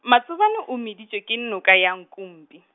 Matsobane o meditšwe ke noka ya Nkumpi.